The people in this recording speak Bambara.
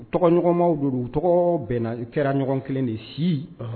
Tɔgɔɲɔgɔnmaw don tɔgɔ bɛnna kɛra ɲɔgɔn kelen de si